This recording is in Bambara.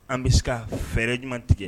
An bi se ka fɛrɛ jumɛn tigɛ?